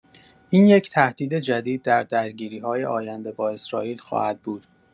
این یک تهدید جدید در درگیری‌های آینده با اسرائیل خواهد بود.